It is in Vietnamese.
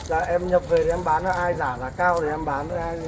dạ em nhập về để em bán cho ai giả giá cao thì em bán ai